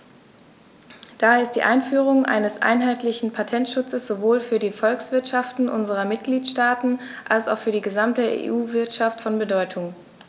Daher ist die Einführung eines einheitlichen Patentschutzes sowohl für die Volkswirtschaften unserer Mitgliedstaaten als auch für die gesamte EU-Wirtschaft von Bedeutung.